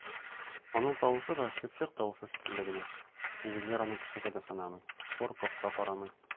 Аның тавышы да чыпчык тавышы шикелле генә, үгезләр аны кешегә дә санамый, куркып та карамый!